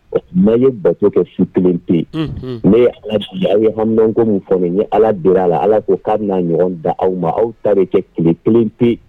Ma ye basi kɛ su kelen pe ne ye aw ye hamiko min fɔ ye ala bilara la ala ko'a n'a ɲɔgɔn da aw ma aw ta de kɛ kelen kelen pe